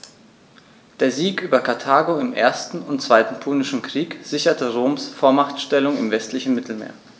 Der Sieg über Karthago im 1. und 2. Punischen Krieg sicherte Roms Vormachtstellung im westlichen Mittelmeer.